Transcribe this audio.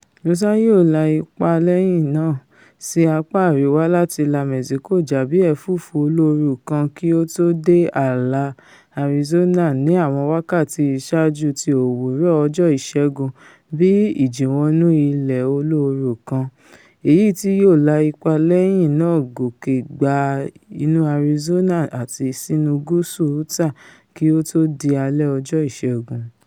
Rosa yóò la ipa lẹ́yìn náà sí apá àríwá láti la Mẹ́síkò já bíi ẹ̀fùúfú olóoru kan kí ó tó dé ààlà Arizona ní àwọn wákàtí ìsáájú ti òwúrọ̀ ọjọ́ Ìṣẹ́gun bíi ìjìnwọnú-ilẹ̀ olóoru kan, èyití yóò la ipa lẹ́yìn náà gòkè gba inú Arizona àti sínú gúúsù Utah kí ó tó di alẹ́ ọjọ Ìṣẹ́gun.